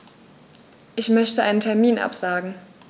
Ich möchte einen Termin absagen.